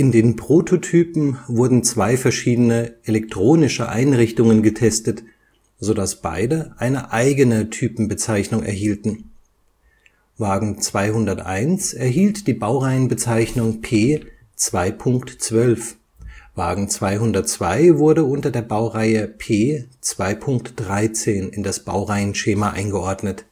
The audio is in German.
den Prototypen wurden zwei verschiedene elektronische Einrichtungen getestet, sodass beide eine eigene Typenbezeichnung erhielten. Wagen 201 erhielt die Baureihenbezeichnung P 2.12, Wagen 202 wurde unter der Baureihe P 2.13 in das Baureihenschema eingeordnet